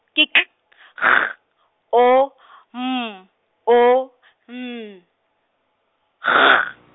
ke K G O M O N G.